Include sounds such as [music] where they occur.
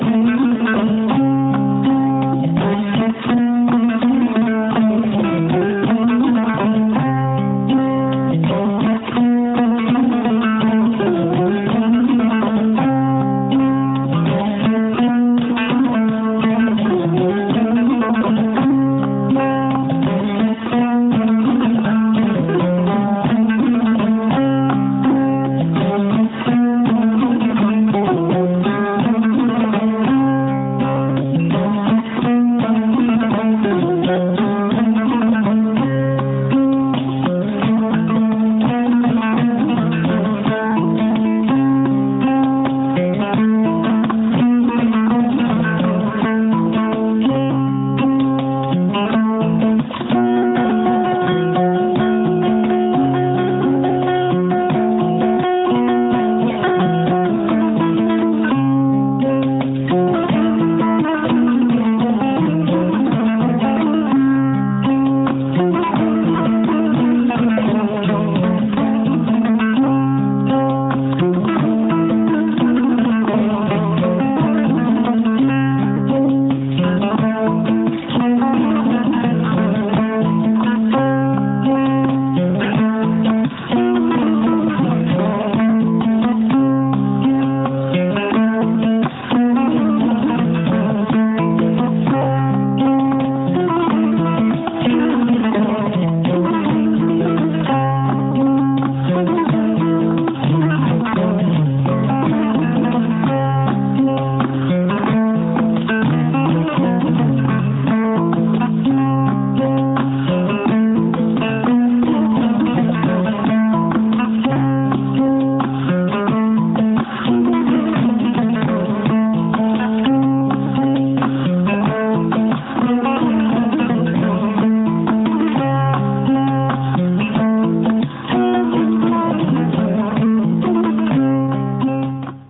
[music]